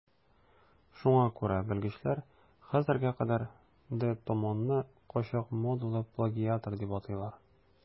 Шуңа күрә белгечләр хәзергә кадәр де Томонны кайчак модалы плагиатор дип атыйлар.